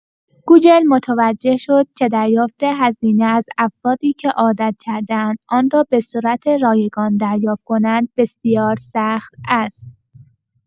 گوگل متوجه شد که دریافت هزینه از افرادی که عادت کرده‌اند، آن را به صورت رایگان دریافت کنند، بسیار سخت است!